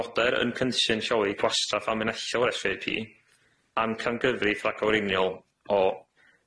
Noder yn cynllun lleoli gwastraff amlynellol Ess Ay Pee amcangyfrif rhagarweiniol o